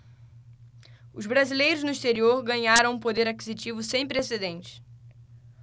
os brasileiros no exterior ganharam um poder aquisitivo sem precedentes